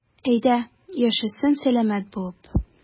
Әйдә, яшәсен сәламәт булып.